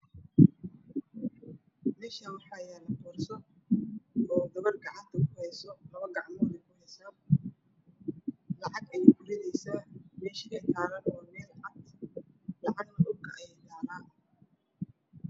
Meeshaan waxaa yaalo boorso oo gabar gacanta kuheyso labo gacmood ayay ku heysaa. Lacag ayay ku rideysaa, meesha ay saaran tahayna waa meel cad. Lacagna dhulka ayay taalaa.